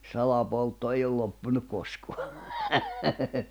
salapoltto ei ole loppunut koskaan